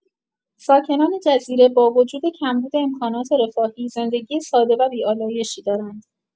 ساکنان جزیره با وجود کمبود امکانات رفاهی، زندگی ساده و بی‌آلایشی دارند.